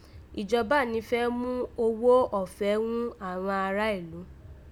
Ìjọba ní fẹ́ mú oghó ọ̀fẹ́ ghún àghan ará ìlú